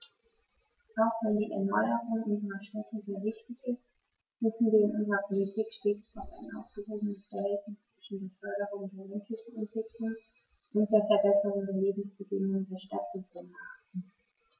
Auch wenn die Erneuerung unserer Städte sehr wichtig ist, müssen wir in unserer Politik stets auf ein ausgewogenes Verhältnis zwischen der Förderung der ländlichen Entwicklung und der Verbesserung der Lebensbedingungen der Stadtbewohner achten.